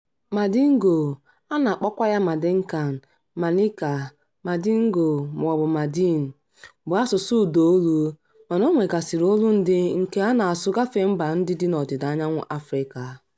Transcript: Mandingo( a na-akpọkwa ya Mandenkan, Manịnka, Mandingo, ma ọ bụ Mandin) bụ asụsụ ụdaolu mana o nwegasịrị olundị nke a na-asụ gafee mba ndị dị n'Ọdịda Anyanwu Afrịka.